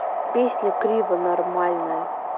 песня криво нормальная